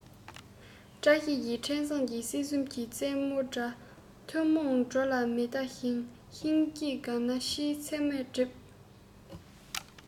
བཀྲ ཤིས ཀྱི འཕྲིན བཟང སྲིད གསུམ གྱི རྩེ མོར སྒྲ ཐུན མོང འགྲོ ལ མི ལྟར བཞེངས ཤིང སྐྱེ རྒ ན འཆིའི མཚན མས བསྒྲིབས